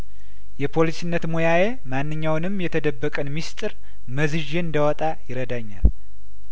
የፖሊስነት ሞያዬ ማንኛውንም የተደበቀን ሚስጥር መዝዤ እንዳ ወጣ ይረዳኛል